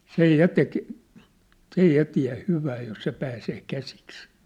sen ja teki se ei ja tiedä hyvää jos se pääsee käsiksi